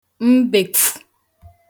mbèkwfu